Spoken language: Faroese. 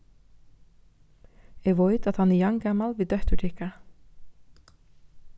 eg veit at hann er javngamal við dóttur tykkara